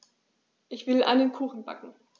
Ich will einen Kuchen backen.